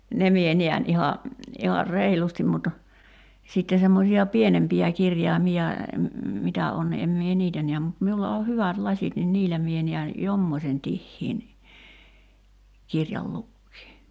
ne minä näen ihan ihan reilusti mutta sitten semmoisia pienempiä kirjaimia mitä on en minä niitä näe mutta minulla on hyvät lasit niin niillä minä näen jommoisen tiheän kirjan lukea